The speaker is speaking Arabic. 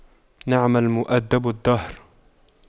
نعم المؤَدِّبُ الدهر